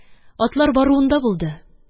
Атлар баруында булды